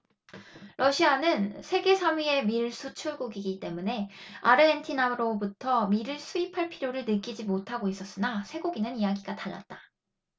러시아는 세계 삼 위의 밀 수출국이기 때문에 아르헨티나로부터 밀을 수입할 필요를 느끼지 못하고 있었으나 쇠고기는 이야기가 달랐다